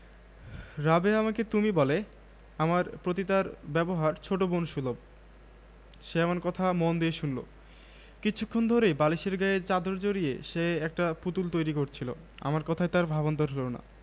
TV microwave ওভেনসহ সব ধরনের কিচেন অ্যাপ্লায়েন্সে আকর্ষণীয় সব অফার